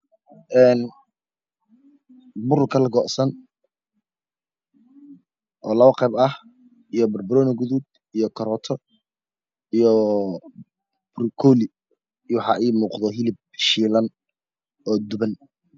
Een Bur kala go'an oo laba qayb ah iyo barbarooni guduud ah iyo karooti iyo borkoli iyo waxaa ii muuqdo hilibshiilan oo duban